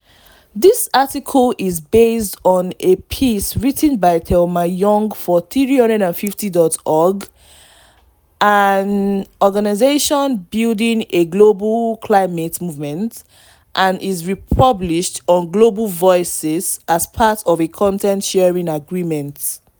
This article is based on a piece written by Thelma Young for 350.org, an organisation building a global climate movement, and is republished on Global Voices as part of a content-sharing agreement.